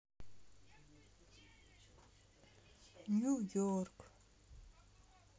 нью йорк